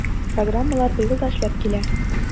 Программалар быел да эшләп килә.